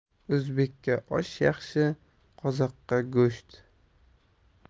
o'zbekka osh yaxshi qozoqqa go'sht